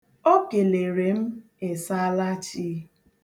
O kelere m, "ịsaalachi"